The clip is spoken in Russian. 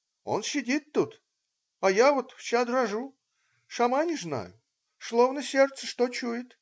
он сидит тут, а я вот вся дрожу, сама не знаю, словно сердце что чует.